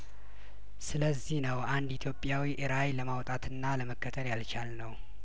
ስለዚህ ነው አንድ ኢትዮጵያዊ እራይ ለማውጣትና ለመከተል ያልቻልነው